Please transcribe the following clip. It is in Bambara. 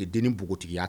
Dennin npogotigiya